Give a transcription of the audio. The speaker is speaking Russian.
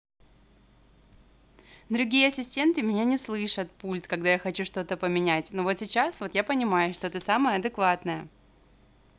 другие ассистенты меня не слышат пульт когда я хочу что то поменять но вот сейчас вот я понимаю что ты самая адекватная